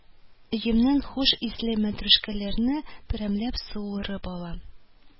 Өемнән хуш исле мәтрүшкәләрне берәмләп суырып ала,